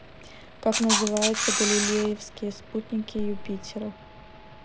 как называются галилеевские спутники юпитера